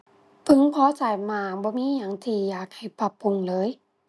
พึงพอใจมาก บ่มีหยังที่อยากให้ปรับปรุงเลย